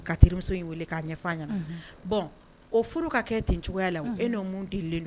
k'a terimuso in wele k' a ɲɛ fɔ a ɲɛna, bon o furu ka kɛ ten cogoya la wo, e n'o mun delilen don